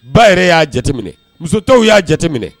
Ba yɛrɛ y'a jateminɛ musotɔw y'a jateminɛ